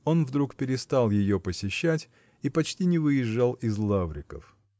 он вдруг перестал ее посещать и почти не выезжал из Лавриков.